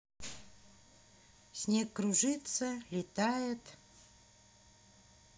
снег кружится летает